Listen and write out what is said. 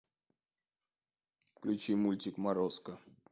включи мультик морозко